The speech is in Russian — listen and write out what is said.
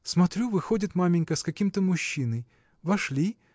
Смотрю, выходит маменька с каким-то мужчиной. Вошли